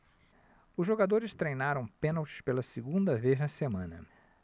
os jogadores treinaram pênaltis pela segunda vez na semana